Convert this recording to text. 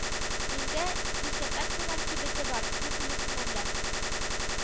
Миндә диссертацияләр кибете бар дип уйлыйсызмы әллә